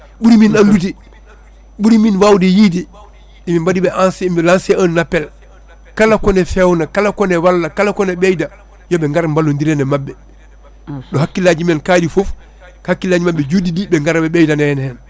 ɓuuri min andude ɓuuri min wawde yide emin mbaɗiɓe lancé un appel kala kone fewna kala kone walla kala kone ɓeyɗa yooɓe ngaar mballodiren e maɓɓe ɗo hakkillaji men kaaɗi foof hakkilaji mabɓe judɗi ɗi ɓe gaara ɓe ɓeydana en hen